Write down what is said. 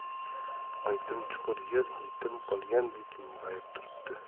o'ydim chuqur yer yetim qolgandek mung'ayib turibdi